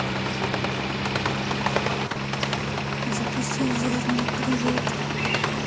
запусти зерна привет